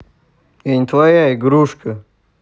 я не твоя игрушка